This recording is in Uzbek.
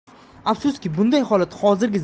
afsuski bunday holat hozirgi